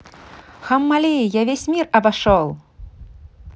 hammali я весь мир обошел